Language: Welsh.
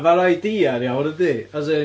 Ma'r idea ma'r idea yn iawn yndi as in...